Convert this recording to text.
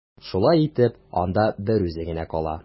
Шулай итеп, анда берүзе генә кала.